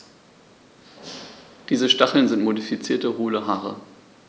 Diese Stacheln sind modifizierte, hohle Haare.